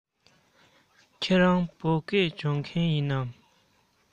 ཁྱེད རང བོད སྐད སྦྱོང མཁན ཡིན པས